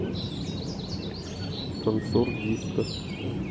танцор диско